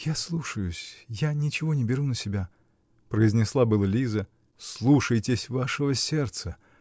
-- Я слушаюсь, я ничего не беру на себя, -- произнесла было Лиза. -- Слушайтесь вашего сердца